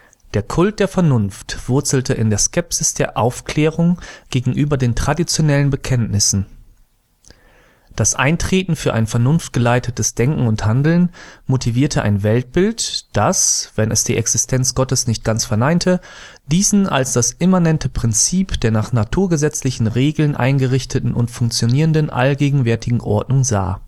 Der Kult der Vernunft wurzelte in der Skepsis der Aufklärung gegenüber den traditionellen Bekenntnissen. Das Eintreten für ein vernunftgeleitetes Denken und Handeln motivierte ein Weltbild, das, wenn es die Existenz Gottes nicht ganz verneinte, diesen als das immanente Prinzip der nach naturgesetzlichen Regeln eingerichteten und funktionierenden allgegenwärtigen Ordnung sah